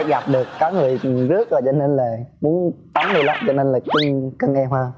gặp được có người rước rồi cho nên là muốn tống đi lắm nên là cưng cưng em hơn